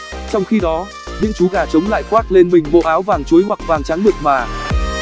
trong khi đó những chú gà trống lại khoác lên mình bộ áo vàng chuối hoặc vàng trắng mượt mà